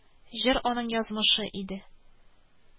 Җыр аның язмышы иде